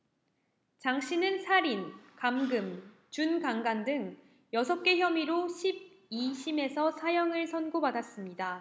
장씨는 살인 감금 준강간 등 여섯 개 혐의로 십 이 심에서 사형을 선고받았습니다